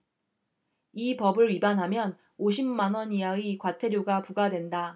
이 법을 위반하면 오십 만원 이하의 과태료가 부과된다